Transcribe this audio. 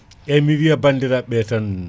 eyyi mi wiya bandiraɓe tan